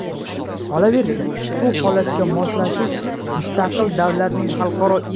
qolaversa ushbu holatga moslashish mustaqil davlatning xalqaro